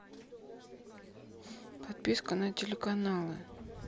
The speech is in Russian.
подписка на телеканалы